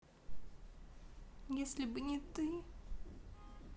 если бы не ты